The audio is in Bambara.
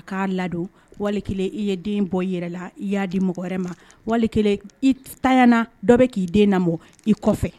K'a ladon wali kelen i ye den in bɔ i yɛrɛ la i y'a di mɔgɔ wɛrɛ ma wali kelen i t taɲana dɔ bɛ k'i den na mɔ i kɔfɛ